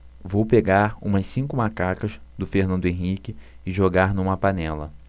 vou pegar umas cinco macacas do fernando henrique e jogar numa panela